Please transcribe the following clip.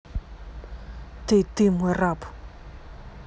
ты ты мой раб